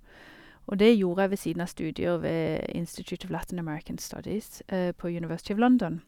Og det gjorde jeg ved siden av studier ved Institute of Latin American Studies på University of London.